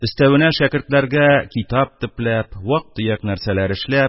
Өстәвенә шәкертләргә китап төпләп, вак-төяк нәрсәләр эшләп